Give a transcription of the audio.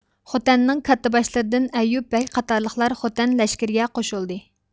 خوتەننىڭ كاتتىباشلىرىدىن ئەييۇب بەگ قاتارلىقلار خوتەن لەشكىرىگە قوشۇلدى